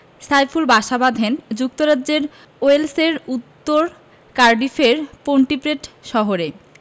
সাইফুল বাসা বাঁধেন যুক্তরাজ্যের ওয়েলসের উত্তর কার্ডিফের পন্টিপ্রিড শহরে